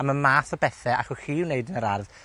am y math o bethe allwch chi wneud yn yr ardd